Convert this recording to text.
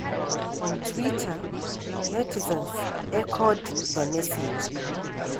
On Twitter, netizens echoed the message.